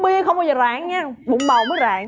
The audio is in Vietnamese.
bia không bao giờ rạn nhe bụng bầu mới rạn